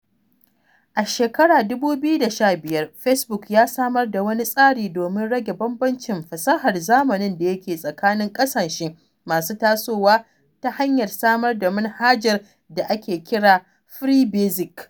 A 2015, Facebook ya samar da wani tsari domin rage bambancin fasahar zamanin da yake tsakanin ƙasashe masu tasowa ta hanyar samar manhajar da ake kira ''Free Basic''.